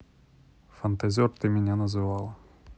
фантазер ты меня называла